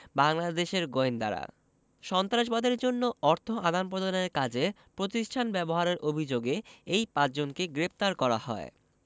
বাংলাদেশের গোয়েন্দারা সন্ত্রাসবাদের জন্য অর্থ আদান প্রদানের কাজে প্রতিষ্ঠান ব্যবহারের অভিযোগে এই পাঁচজনকে গ্রেপ্তার করা হয়